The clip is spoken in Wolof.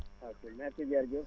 waaw kay merci jërëjëf